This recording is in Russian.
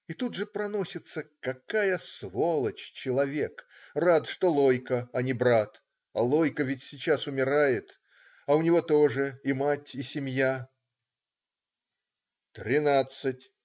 И тут же проносится: какая сволочь человек, рад, что Лойко, а не брат, а Лойко ведь сейчас умирает, а у него тоже и мать и семья. "Тринадцать!